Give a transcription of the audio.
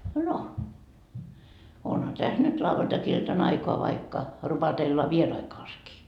no onhan tässä nyt lauantai-iltana aikaa vaikka rupatella vieraiden kanssakin